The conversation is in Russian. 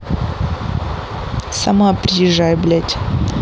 сама приезжай блядь